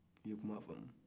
i ye kuma faamu